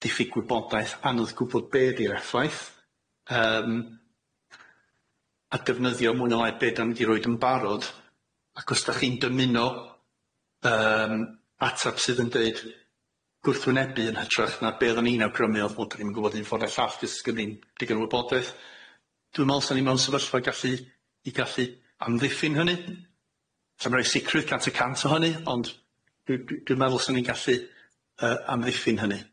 diffyg gwybodaeth anodd gwbod be' ydi'r effaith yym a defnyddio mwy neu lai be' 'dan ni 'di roid yn barod ac os dach chi'n dymuno yym atab sydd yn deud gwrthwynebu yn hytrach na be' oddan ni'n awgrymu o'dd bod ni'm yn gwbod un ffordd na'r llall os sgyn ni digon o wybodaeth dwi me'wl sa ni mewn sefyllfa gallu i gallu amddiffyn hynny sa'm roid sicrwydd cant y cant o hynny ond dwi dwi dwi meddwl sa ni'n gallu yy amddiffyn hynny.